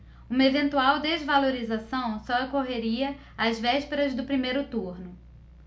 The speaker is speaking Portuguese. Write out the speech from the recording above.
uma eventual desvalorização só ocorreria às vésperas do primeiro turno